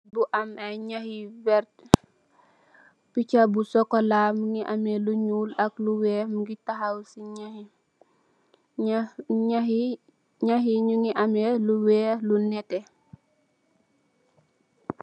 Bu am aiiy njahh yu vert, pitcha bu chocolat mungy ameh lu njull ak lu wekh, mungy takhaw cii njahh yii, njahh, njahh yii, njahh yii njungy ameh lu wekh lu nehteh.